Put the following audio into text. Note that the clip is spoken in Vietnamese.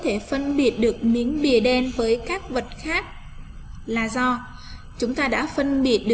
có thể phân biệt được miếng bìa đen với các vật khác là do chúng ta đã phân biệt